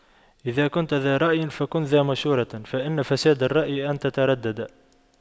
إذا كنتَ ذا رأيٍ فكن ذا مشورة فإن فساد الرأي أن تترددا